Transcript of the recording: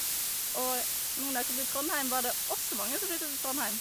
Og nå når jeg kom til Trondheim, var det også mange som flyttet til Trondheim.